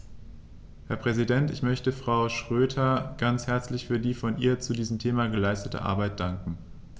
Herr Präsident, ich möchte Frau Schroedter ganz herzlich für die von ihr zu diesem Thema geleistete Arbeit danken.